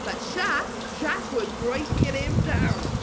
But Shaq? Shaq was breaking him down.